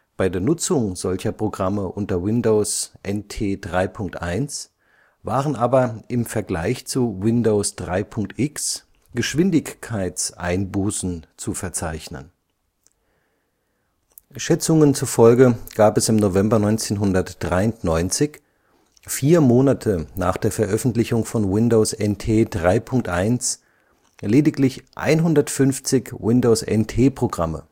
bei der Nutzung solcher Programme unter Windows NT 3.1 waren aber im Vergleich zu Windows 3.x Geschwindigkeitseinbußen zu verzeichnen. Schätzungen zufolge gab es im November 1993, vier Monate nach der Veröffentlichung von Windows NT 3.1, lediglich 150 Windows-NT-Programme